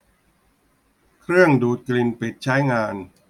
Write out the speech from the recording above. เครื่องดูดกลิ่นปิดใช้งาน